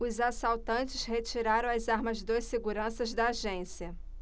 os assaltantes retiraram as armas dos seguranças da agência